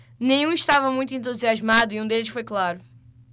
nenhum estava muito entusiasmado e um deles foi claro